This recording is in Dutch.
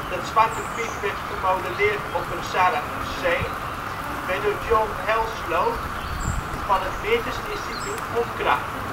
dat Zwarte Piet werd gemodelleerd op een Saraceen, werd door John Helsloot van het Meertens Instituut ontkracht